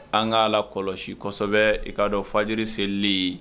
An k' ala la kɔlɔsi kosɛbɛ i k'a dɔn fajjiri selenlen ye